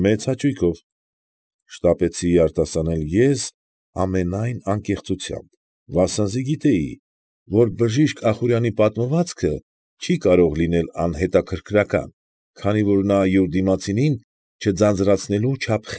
Մեծ հաճույքով, ֊ շտապեցի արտասանել ես ամենայն անկեղծությամբ, վասնզի գիտեի, որ բժիշկ Ախուրյանի պատմվածքը չի կարող լինել անհետաքրքրական, քանի որ նա յուր դիմացինին չձանձրացնելու չափ։